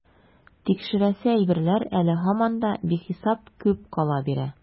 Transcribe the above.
Тикшерәсе әйберләр әле һаман да бихисап күп кала бирә.